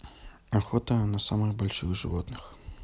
охота на самых больших животных